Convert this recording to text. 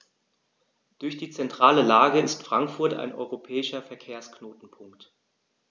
Durch die zentrale Lage ist Frankfurt ein europäischer Verkehrsknotenpunkt.